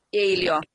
Eilio.